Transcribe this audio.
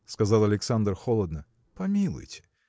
– сказал Александр холодно, – помилуйте!